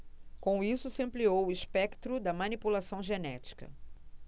com isso se ampliou o espectro da manipulação genética